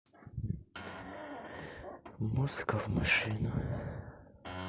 музыка в машину